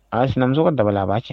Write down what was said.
Aa sinamuso daba la b'a cɛ